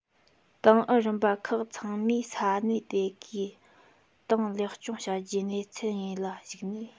ཏང ཨུ རིམ པ ཁག ཚང མས ས གནས དེ གའི ཏང ལེགས སྐྱོང བྱ རྒྱུའི གནས ཚུལ དངོས ལ གཞིགས ནས